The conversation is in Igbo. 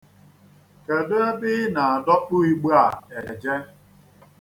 Kedu ebe i na-adokpu igbe a eje?